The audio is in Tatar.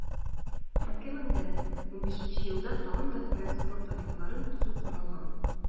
2015 елда тагын да күбрәк спорт объектларын төзү каралган.